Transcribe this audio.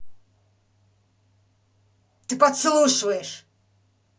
ты подслушиваешь